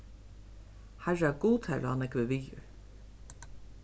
harra gud har lá nógvur viður